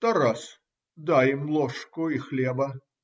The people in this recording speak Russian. Тарас, дай им ложку и хлеба.